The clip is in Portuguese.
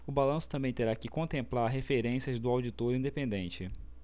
o balanço também terá que contemplar referências do auditor independente